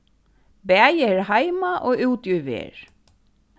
bæði her heima og úti í verð